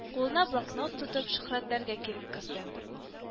Кулына блокнот тотып, шөһрәтләргә килеп керде